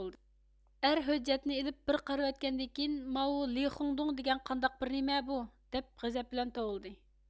ئەر ھۆججەتنى ئېلىپ بىر قارىۋەتكەندىن كېيىن ماۋۇلىخېڭدوڭ دېگەن قانداق بىر نېمە بۇ دەپ غەزەپ بىلەن توۋلىدى